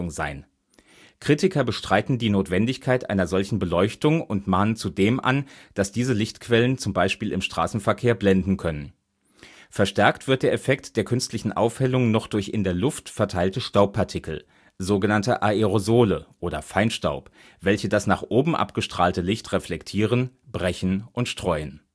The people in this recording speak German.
sein. Kritiker bestreiten die Notwendigkeit einer solchen Beleuchtung und mahnen zudem an, dass diese Lichtquellen z. B. im Straßenverkehr blenden können. Verstärkt wird der Effekt der künstlichen Aufhellung noch durch in der Luft verteilte Staubpartikel, sog. Aerosole (oder Feinstaub), welche das nach oben abgestrahlte Licht reflektieren, brechen und streuen